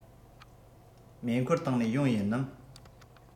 མེ འཁོར བཏང ནས ཡོང ཡིན ནམ